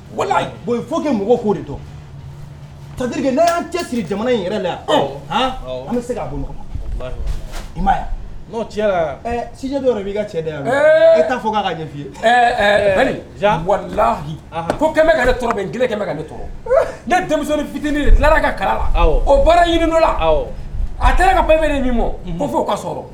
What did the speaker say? Wala bon fo que mɔgɔw' de tadi n y'an cɛ siri jamana in yɛrɛ la yan an bɛ se k'a bolo kɔnɔ n'o si bɛ b'i ka cɛ de yan e t'a fɔ k'a ɲɛye laki ko kɛmɛ ka ne tɔrɔ kelenkɛ ka ne tɔɔrɔ ne denmisɛnnin fitinin de dilanra ka kala la o baara ɲini dɔ la a taara ka banbe ni min ma n fɔ ka sɔrɔ